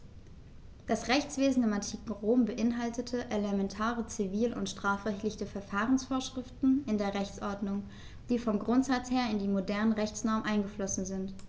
Das Rechtswesen im antiken Rom beinhaltete elementare zivil- und strafrechtliche Verfahrensvorschriften in der Rechtsordnung, die vom Grundsatz her in die modernen Rechtsnormen eingeflossen sind.